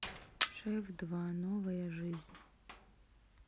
шеф два новая жизнь